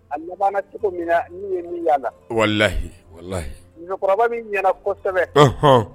A na cogo min na ni ye ni yanyihiyi min ɲɛna kosɛbɛ hɔn